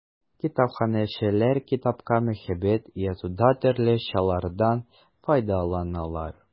Китапханәчеләр китапка мәхәббәт уятуда төрле чаралардан файдаланалар.